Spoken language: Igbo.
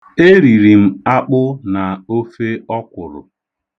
Eriri m akpụ na ofe ọkwụrụ.